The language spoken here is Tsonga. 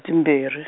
timbirhi.